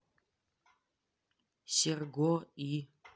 серго и